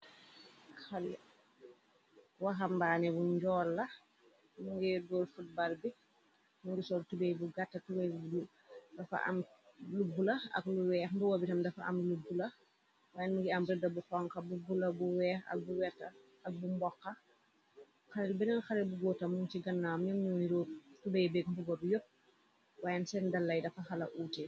Xale waxambaane bu njool la, mi ngir góol futbar bi, mingi soor tubey bu gàtta, tubey dafa am lubbula, ak lu weex, mbowobitam dafa am lubbu la, wayen ngi am rëda bu xonka, bu bula, bu weex b wea ak bu mbokxa. xalel beneen xale bu góota mum ci gannaam, ñëm ñooni roop tubey beek nbugor yopp, waken seen dalay dafa xala uute.